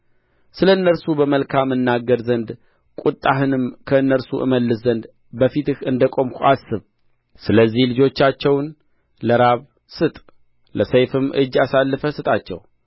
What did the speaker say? ስለ እነርሱ በመልካም እናገር ዘንድ ቍጣህንም ከእነርሱ እመልስ ዘንድ በፊትህ እንደ ቆምሁ አስብ ስለዚህ ልጆቻቸውን ለራብ ስጥ ለሰይፍም እጅ አሳልፈህ ስጣቸው